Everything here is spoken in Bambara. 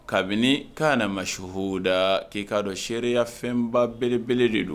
Kabini k kaana na masu h da k'i k'a dɔn seereya fɛnbabelebele de don